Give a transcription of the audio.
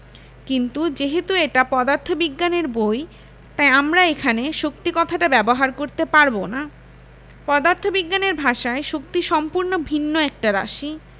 কিন্তু যেহেতু এটা পদার্থবিজ্ঞানের বই তাই আমরা এখানে শক্তি কথাটা ব্যবহার করতে পারব না পদার্থবিজ্ঞানের ভাষায় শক্তি সম্পূর্ণ ভিন্ন একটা রাশি